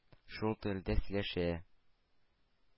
Шул телдә сөйләшә.